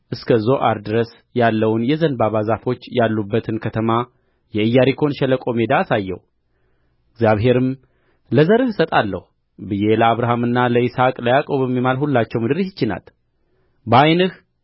እስከ ዞዓር ድረስ ያለውንም የዘንባባ ዛፎች ያሉባትን ከተማ የኢያሪኮን ሸለቆ ሜዳ አሳየው እግዚአብሔርም ለዘርህ እሰጣታለሁ ብዬ ለአብርሃምና ለይስሐቅ ለያዕቆብም የማልሁላቸው ምድር ይህች ናት በዓይንህ